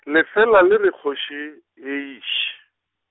le fela le re kgoši, eish.